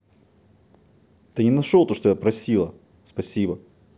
ты не нашел то что я просила спасибо